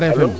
alo